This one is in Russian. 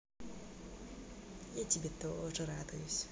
я тебе тоже радуюсь